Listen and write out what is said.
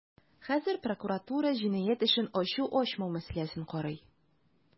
Хәзер прокуратура җинаять эшен ачу-ачмау мәсьәләсен карый.